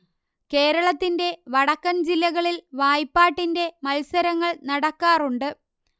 കേരളത്തിൻറെ വടക്കൻ ജില്ലകളിൽ വായ്പാട്ടിൻറെ മത്സരങ്ങൾ നടക്കാറുണ്ട്